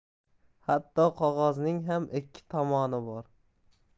hatto qog'ozning ham ikki tomoni bor